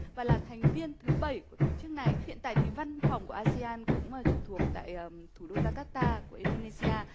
và là thành viên thứ bảy của tổ chức này hiện tại thì văn phòng của a si an cũng trực thuộc tại thủ đô gia cát ta của in đô nê si a